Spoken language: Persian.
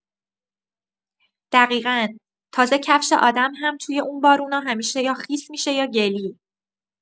دقیقا، تازه کفش آدم هم توی اون بارونا همیشه یا خیس می‌شه یا گلی.